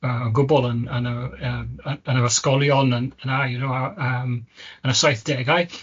yym o gwbl yn yn yr yym yn yn yr ysgolion yn yn y you know yym, yn y saithdegau.